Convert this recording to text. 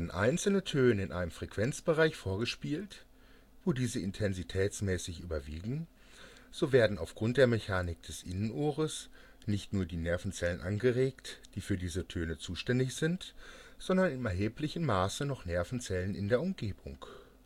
einzelne Töne in einem Frequenzbereich vorgespielt, wo diese intensitätsmäßig überwiegen, so werden aufgrund der Mechanik des Innenohres nicht nur die Nervenzellen angeregt, die für diese Töne zuständig sind, sondern in erheblichem Maße noch Nervenzellen in der Umgebung